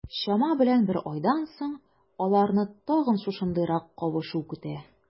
Чама белән бер айдан соң, аларны тагын шушындыйрак кавышу көтә.